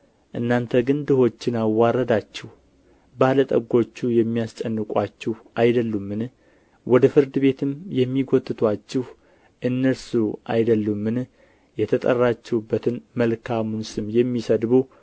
እናንተ ግን ድሆችን አዋረዳችሁ ባለ ጠጎቹ የሚያስጨንቁአችሁ አይደሉምን ወደ ፍርድ ቤትም የሚጎትቱአችሁ እነርሱ አይደሉምን የተጠራችሁበትን መልካሙን ስም የሚሰድቡ